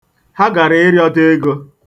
Ha gara ịrịọta ego.